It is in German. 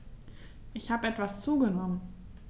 Ich habe etwas zugenommen